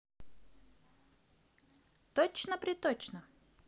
точно приточно